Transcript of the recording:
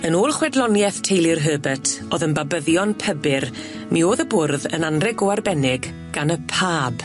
Yn ôl chwedlonieth teulu'r Herbert o'dd yn babyddion pybyr mi o'dd y bwrdd yn anreg go arbennig gan y pab.